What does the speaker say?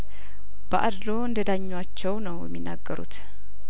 በአድሎ እንደዳኟቸው ነው የሚናገሩት